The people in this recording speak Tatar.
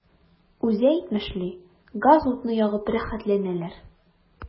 Үзе әйтмешли, газ-утны ягып “рәхәтләнәләр”.